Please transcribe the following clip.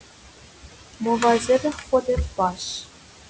مواظب خودت باش